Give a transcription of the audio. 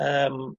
yym